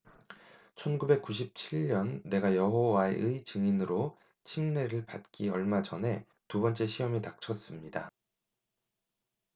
천 구백 구십 칠 년 내가 여호와의 증인으로 침례를 받기 얼마 전에 두 번째 시험이 닥쳤습니다